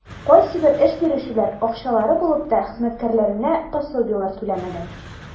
Кайсыбер эш бирүчеләр, акчалары булып та, хезмәткәрләренә пособиеләр түләмәгән.